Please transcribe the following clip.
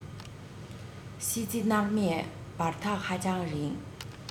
སྲིད རྩེ མནར མེད བར ཐག ཧ ཅང རིང